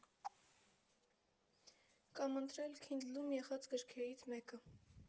Կամ ընտրել քինդլում եղած գրքերից մեկը։